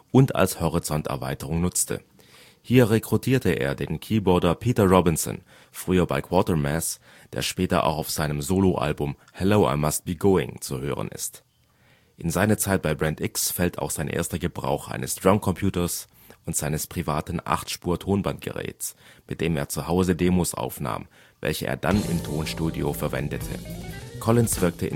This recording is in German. und als Horizonterweiterung nutzte. Hier „ rekrutierte “er den Keyboarder Peter Robinson (früher bei Quatermass), der später auch auf seinem Solo-Album Hello, I Must Be Going zu hören ist. In seine Zeit bei Brand X fällt auch sein erster Gebrauch eines Drumcomputers und seines privaten 8-Spur-Tonbandgeräts, mit dem er zu Hause Demos aufnahm, welche er dann im Tonstudio verwendete. Collins wirkte